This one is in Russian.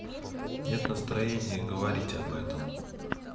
нет настроения и говорить об этом